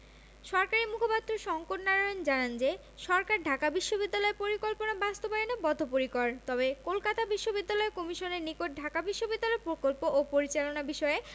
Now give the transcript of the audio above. সরকারি মুখপাত্র শঙ্কর নারায়ণ জানান যে সরকার ঢাকা বিশ্ববিদ্যালয় পরিকল্পনা বাস্তবায়নে বদ্ধপরিকর তবে কলকাতা বিশ্ববিদ্যালয় কমিশনের নিকট ঢাকা বিশ্ববিদ্যালয় প্রকল্প ও পরিচালনা বিষয়ে